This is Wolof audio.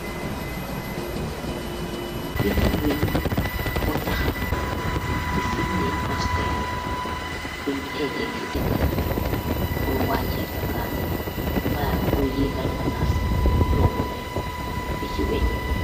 Pi gex wagg bu tahaw si fug dey custex bung takex si degax ,bul wajex bagasi ba bul yegal bagasi len Pi gex wagg.